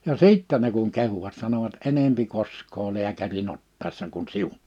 ja sitten ne kun kehuivat sanoivat enemmän koskee lääkärin ottaessa kuin sinun